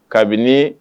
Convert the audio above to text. Kabini